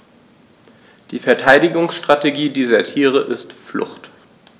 Die Verteidigungsstrategie dieser Tiere ist Flucht.